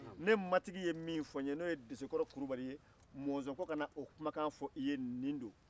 ne matigi ye min fɔ n ye n'o ye desekɔrɔ kulubali ye mɔnzɔn ko ka na o kumakan fɔ i ye nin don